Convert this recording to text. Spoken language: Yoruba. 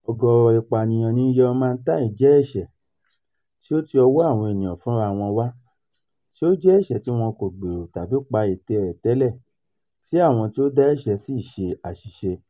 Ọ̀gọ̀rọ̀ ìpànìyàn ní Yau Ma Tei jẹ́ ẹsẹ̀ tí ó ti ọwọ́ àwọn ènìyàn fún ra wọn wá, tí ó jẹ́ ẹsẹ̀ tí wọn kò gbèrò tàbí pa ète rẹ̀ tẹ́lẹ̀, tí àwọn tí ó dá ẹ̀ṣẹ̀ sì ṣe àṣìṣe.